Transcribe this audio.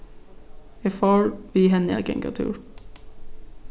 eg fór við henni at ganga túr